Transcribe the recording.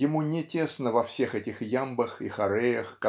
ему не тесно во всех этих ямбах и хореях